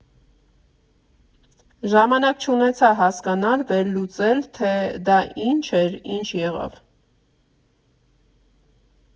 Ժամանակ չունեցա հասկանալ, վերլուծել, թե դա ինչ էր, ինչ եղավ։